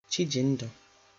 Chijindu